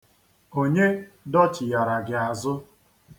Onye dọchighara gị azụ?